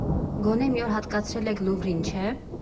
Գոնե մի օր հատկացրել եք Լուվրին, չէ՞։